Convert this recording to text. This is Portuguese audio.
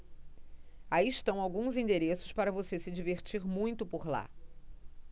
aí estão alguns endereços para você se divertir muito por lá